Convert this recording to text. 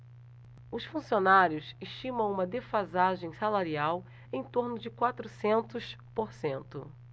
os funcionários estimam uma defasagem salarial em torno de quatrocentos por cento